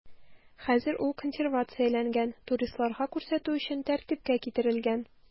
Хәзер ул консервацияләнгән, туристларга күрсәтү өчен тәртипкә китерелгән.